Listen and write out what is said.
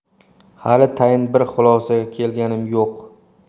hali tayin bir xulosaga kelganim yo'q